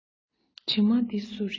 གྲིབ མ དེ སུ རེད